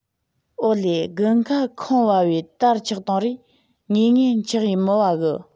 ཨོ ལེ དགུན ཁ ཁངས བབས བས དར ཆགས བཏང རས ངེས ངེས འཁྱགས གས མི བ གི